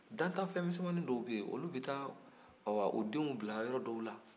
dantanfɛnmisɛnmanin dɔw bɛ ye olu bɛ taa u denw bila yɔrɔ dɔw la